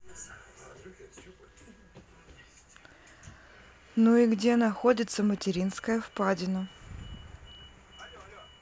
ну и где находится мариинская впадина